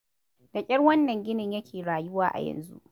Da ƙyar wannan ginin yake rayuwa a yanzu.